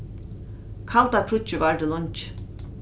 kalda kríggið vardi leingi